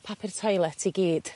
papur toilet i gyd.